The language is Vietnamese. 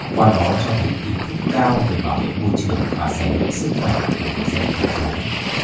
qua đó cho thấy ý thức cao về bảo vệ môi trường và rèn luyện sức khỏe của người dân thành phố